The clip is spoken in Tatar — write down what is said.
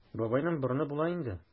Бабайның борыны була инде.